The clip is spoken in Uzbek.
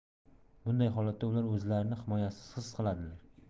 bunday holatda ular o'zlarini himoyasiz his qiladilar